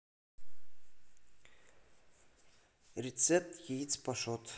рецепт яиц пашот